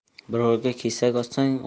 birovga kesak otsang